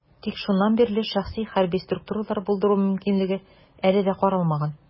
Тик шуннан бирле шәхси хәрби структуралар булдыру мөмкинлеге әле дә каралмаган.